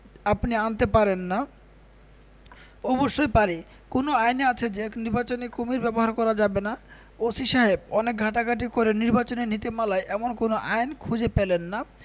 আপনি আনতে পারেন না'‘অবশ্যই পারি কোন আইনে আছে যে নির্বাচনে কুমীর ব্যবহার করা যাবে না ওসি সাহেব অনেক ঘাঁটাঘাটি করেও নির্বাচনী নীতিমালায় এমন কোন আইন খুঁজে পেলেন না